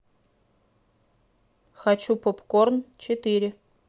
хочу попкорн четыре